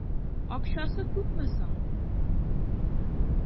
Акчасы күпме соң?